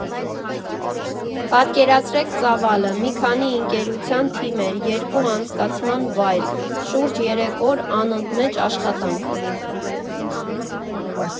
Պատկերացրեք ծավալը՝ մի քանի ընկերության թիմեր, երկու անցկացման վայր, շուրջ երեք օր անընդմեջ աշխատանք։